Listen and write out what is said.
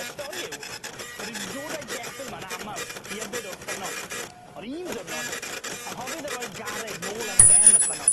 Y stori yw fod e 'di dod â'i geffyl 'ma'n amal i yfed o'r ffynnon on' un diwrnod anghofiodd e roi'r garreg nôl ar ben y ffynnon.